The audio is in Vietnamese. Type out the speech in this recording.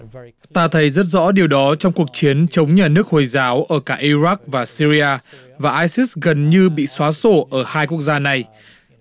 ta thấy rất rõ điều đó trong cuộc chiến chống nhà nước hồi giáo ở cả i rắc và sy ri a và i sít gần như bị xóa sổ ở hai quốc gia này